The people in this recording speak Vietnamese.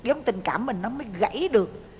lúc tình cảm mình nó mới gãy được